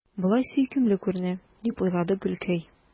Болай сөйкемле күренә, – дип уйлады Гөлкәй.